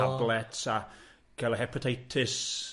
...tablets a cael y hepatitis.